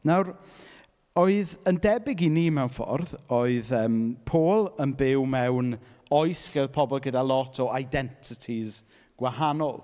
Nawr oedd... yn debyg i ni mewn ffordd oedd yym Paul yn byw mewn oes lle oedd pobl gyda lot o identities gwahanol.